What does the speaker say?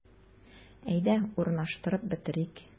Әйдә, урнаштырып бетерик.